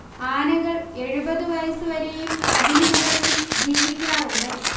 ആനകൾ എഴുപത് വയസ്സ് വരെയും അതിനു മുകളിലും ജീവിക്കാറുണ്ട്